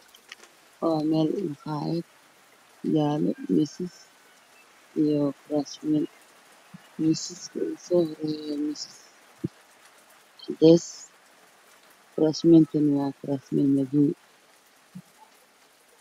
Meeshaan waxaa yaalo miis waxaa kor saaran galaayo galaasyada waa madow